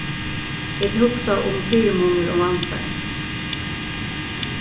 vit hugsa um fyrimunir og vansar